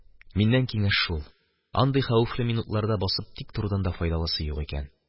Миннән киңәш шул: андый хәвефле минутларда басып тик торудан да файдалысы юк икән.